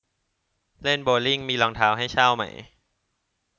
เล่นโบว์ลิ่งมีรองเท้าให้เช่าไหม